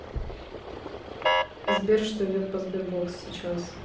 сбер что идет по sberbox сейчас